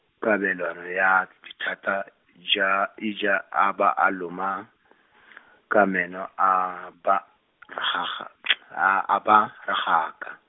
kabelano ya dithata ja ija a ba a loma , ka meno a ba gaga-, a a ba, ragaka.